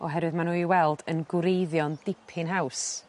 oherwydd ma' n'w i weld yn gwreiddio'n dipyn haws